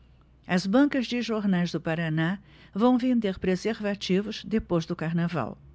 as bancas de jornais do paraná vão vender preservativos depois do carnaval